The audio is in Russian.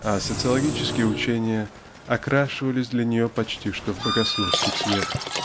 а социологические учения окрашивались для нее почти что в богословский цвет.